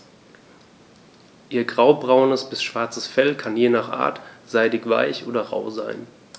Ihr graubraunes bis schwarzes Fell kann je nach Art seidig-weich oder rau sein.